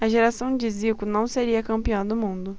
a geração de zico não seria campeã do mundo